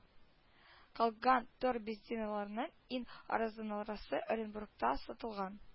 Калган төр бензиннарның иң арзанлысы оренбургта сатылган